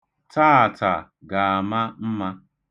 Taata ga-ama mma.